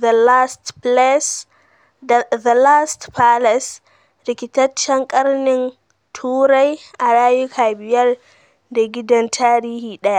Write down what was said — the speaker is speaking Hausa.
"The Last Palace: Rikitaccen karnin Turai a rayuka biyar da gidan tarihi daya.”